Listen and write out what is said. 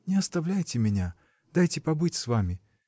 — Не оставляйте меня, дайте побыть с вами.